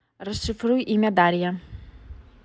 расшифруй имя дарья